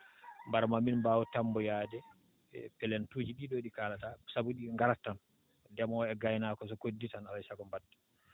mbar mamin mbaawa tammboyaade e pleinte uuji ɗii ɗoo ɗi kaalataa sabu ɗi ngarat tan ndemoowo e gaynaako ko so koddii tan alaa e sago mbaddat